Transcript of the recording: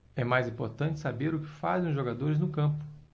é mais importante saber o que fazem os jogadores no campo